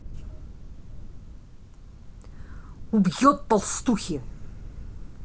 убьет толстухи